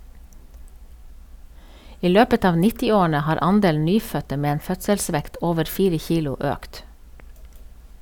I løpet av nittiårene har andelen nyfødte med en fødselsvekt over fire kilo økt.